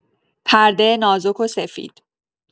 پرده نازک و سفید